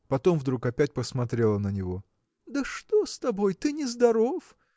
Потом вдруг опять посмотрела на него. – Да что с тобой? Ты нездоров?